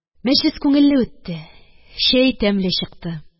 Мәҗлес күңелле үтте. Чәй тәмле чыкты